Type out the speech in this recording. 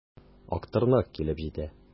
Актырнак килеп җитә.